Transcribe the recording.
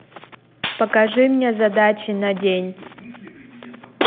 покажи мне задачи на день